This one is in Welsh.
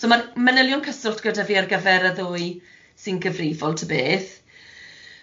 So ma'r manylion cyswllt gyda fi ar gyfer y ddwy sy'n gyfrifol ta beth.